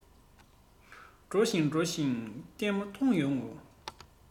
འགྲོ གིན འགྲོ གིན ལྟད མོ མཐོང ཡོང ངོ